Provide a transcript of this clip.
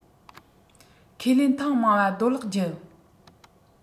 ཁས ལེན ཐེངས མང བ རྡོ ལག བརྒྱུད